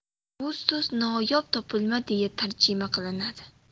bu so'z noyob topilma deya tarjima qilinadi